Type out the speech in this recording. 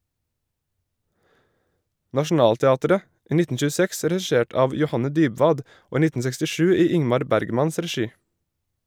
Nationaltheatret, i 1926 regissert av Johanne Dybwad og i 1967 i Ingmar Bergmans regi.